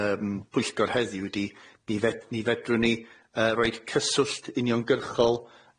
yym pwyllgor heddiw ydi mi fed- mi fedrwn ni yyy roid cyswllt uniongyrchol yym